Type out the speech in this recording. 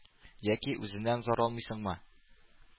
Яки үзеннән зарланмыйсыңмы? —